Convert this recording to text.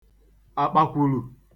àkpàkwùlù